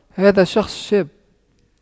هذا الشخص شاب